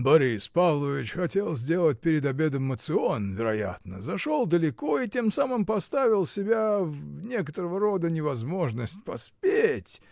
— Борис Павлович хотел сделать перед обедом моцион, вероятно, зашел далеко и тем самым поставил себя в некоторого рода невозможность поспеть.